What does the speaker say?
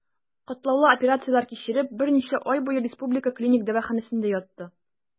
Катлаулы операцияләр кичереп, берничә ай буе Республика клиник дәваханәсендә ятты.